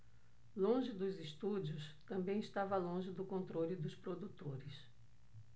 longe dos estúdios também estava longe do controle dos produtores